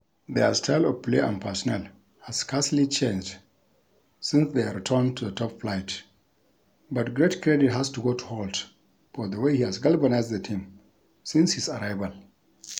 Their style of play and personnel has scarcely changed since their return to the top flight, but great credit has to go to Holt for the way he has galvanized the team since his arrival.